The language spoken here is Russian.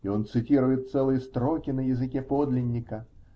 -- И он цитирует целые строки на языке подлинника.